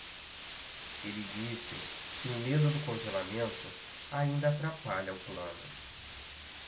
ele disse que o medo do congelamento ainda atrapalha o plano